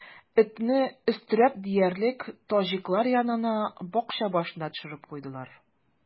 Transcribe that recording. Этне, өстерәп диярлек, таҗиклар янына, бакча башына төшереп куйдылар.